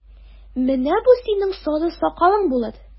Менә бу синең сары сакалың булыр!